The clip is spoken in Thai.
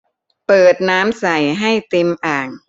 เปิดน้ำใส่ให้เต็มอ่าง